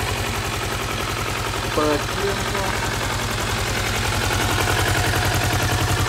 เปิดเครื่องฟอกอากาศห้องเก็บของ